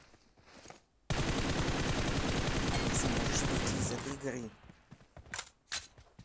алиса можешь выйти из этой игры